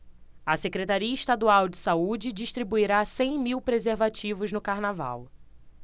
a secretaria estadual de saúde distribuirá cem mil preservativos no carnaval